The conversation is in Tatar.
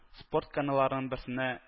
Спорт каналларының берсенә